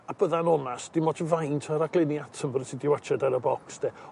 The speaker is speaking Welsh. A bydda'n onast sdim ots faint o raglenni Attenborough ti 'di watsiad ar y bocs 'de